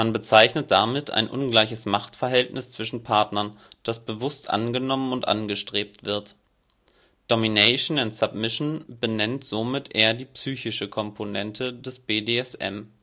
bezeichnet damit ein ungleiches Machtverhältnis zwischen Partnern, das bewusst angenommen und angestrebt wird. Domination and Submission benennt somit eher die psychische Komponente des BDSM